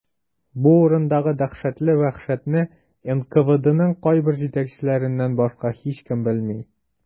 Бу урындагы дәһшәтле вәхшәтне НКВДның кайбер җитәкчеләреннән башка һичкем белми.